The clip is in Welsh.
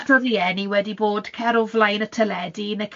...ma' lot o rhieni wedi bod cer o flaen y teledu neu